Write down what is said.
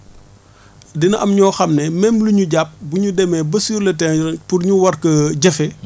dina am ñoo xam ne même lu ñu jàpp bu ñu demee ba sur le terrain pour ñu war ko jëfee